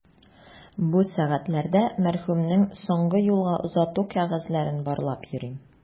Бу сәгатьләрдә мәрхүмнең соңгы юлга озату кәгазьләрен барлап йөрим.